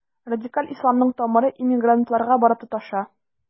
Радикаль исламның тамыры иммигрантларга барып тоташа.